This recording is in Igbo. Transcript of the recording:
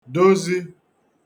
dozi